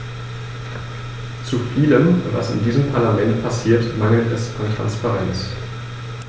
Zu vielem, was in diesem Parlament passiert, mangelt es an Transparenz.